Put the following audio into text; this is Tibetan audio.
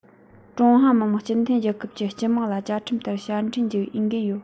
ཀྲུང ཧྭ མི དམངས སྤྱི མཐུན རྒྱལ ཁབ ཀྱི སྤྱི དམངས ལ བཅའ ཁྲིམས ལྟར དཔྱ ཁྲལ འཇལ བའི འོས འགན ཡོད